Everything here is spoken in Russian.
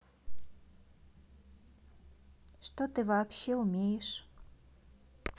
что ты вообще умеешь